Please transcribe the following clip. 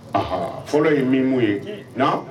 A fɔlɔ ye min mun ye na